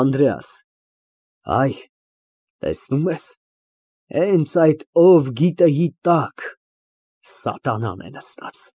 ԱՆԴՐԵԱՍ ֊ Այ, տեսնում ես, հենց այդ «ով գիտե» ֊ի տակ սատանան է նստած։